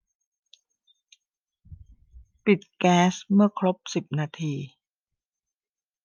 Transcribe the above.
ปิดแก๊สเมื่อครบสิบนาที